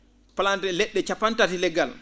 plant des le??e capantati le?gal